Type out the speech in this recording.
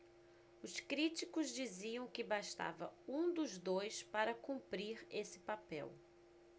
os críticos diziam que bastava um dos dois para cumprir esse papel